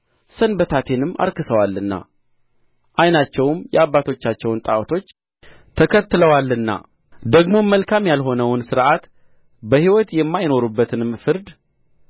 ሰንበታቴንም አርክሰዋልና ዓይናቸውም የአባቶቻቸውን ጣዖታቶች ተከትለዋልና ደግሞም መልካም ያልሆነውን ሥርዓት በሕይወት የማይኖሩበትንም ፍርድ